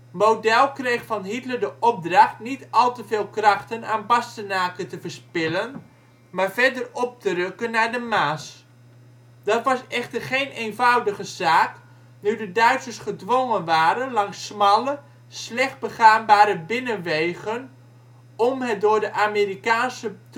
Model kreeg van Hitler de opdracht niet al te veel krachten aan Bastenaken te verspillen, maar verder op te rukken naar de Maas. Dat was echter geen eenvoudige zaak nu de Duitsers gedwongen waren langs smalle, slecht begaanbare binnenwegen om het door de Amerikaanse